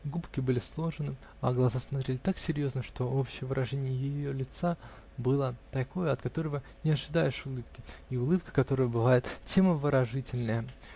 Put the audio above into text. Губки были сложены, а глаза смотрели так серьезно, что общее выражение ее лица было такое, от которого не ожидаешь улыбки и улыбка которого бывает тем обворожительнее.